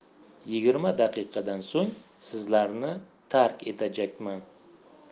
yigirma daqiqadan so'ng sizlarni tark etajakman